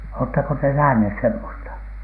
oletteko te nähneet semmoista